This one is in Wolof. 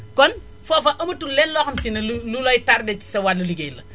kon foofa amatul lenn loo xam si ne lu lu lay tardé ci sa liggéey